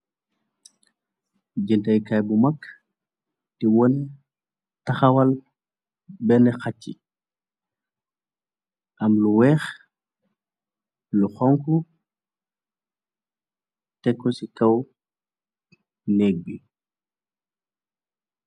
jëntay kaay bu mag di wone taxawal benn xac yi am lu weex lu xonk teko ci kaw nékg bi